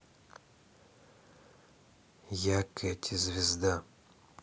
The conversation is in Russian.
я кэтти звезда